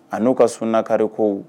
A n'u ka sununakarire ko